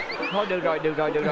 thôi được rồi được rồi